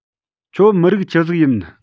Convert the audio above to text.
ཁྱོད མི རིགས ཆི ཟིག ཡིན